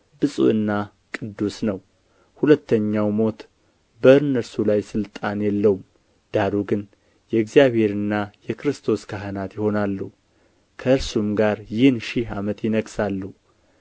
ብፁዕና ቅዱስ ነው ሁለተኛው ሞት በእነርሱ ላይ ሥልጣን የለውም ዳሩ ግን የእግዚአብሔርና የክርስቶስ ካህናት ይሆናሉ ከእርሱም ጋር ይህን ሺህ ዓመት ይነግሣሉ